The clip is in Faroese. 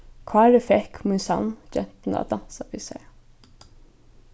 kári fekk mín sann gentuna at dansa við sær